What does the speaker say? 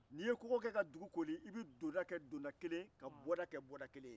i bɛ donda ke kelen ye ka bɔda kɛ kelen ye